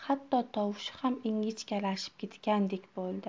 hatto tovushi ham ingichkalashib ketgandek bo'ldi